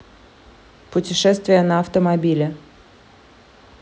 путешествие на автомобиле